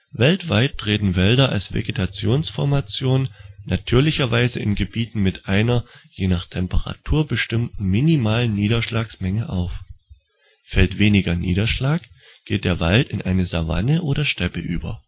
Weltweit treten Wälder als Vegetationsformation natürlicherweise in Gebieten mit einer (je nach Temperatur) bestimmten minimalen Niederschlagsmenge auf. Fällt weniger Niederschlag, geht der Wald in eine Savanne oder Steppe über